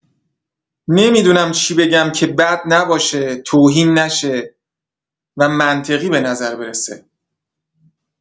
نمی‌دونم چی بگم که بد نباشه، توهین نشه و منطقی بنظر برسه.